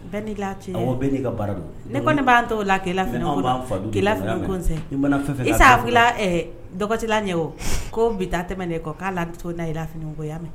Bɛɛ ni latigɛ . Awɔ bɛɛ ni ka baara don . Ne kɔni ba to la ki la finiw ko nin sen. dɔgɔcila ɲɛ o ko bi taa tɛmɛ ne kɔ ka la ne la fini ko yamɛ ya